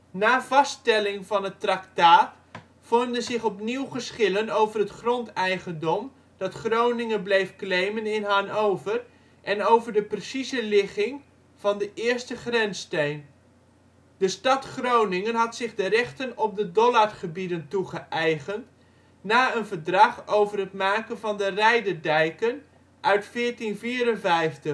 Na vaststelling van het tractaat vormden zich opnieuw geschillen over het grondeigendom dat Groningen bleef claimen in Hannover en over de precieze ligging van de eerste grenssteen. De stad Groningen had zich de rechten op de Dollardgebieden toegeëigend na een verdrag over het maken van de Reiderdijken uit 1454. Het